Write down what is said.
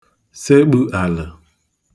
sekpu alə̣